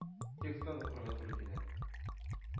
Текстлар укырга туры килә.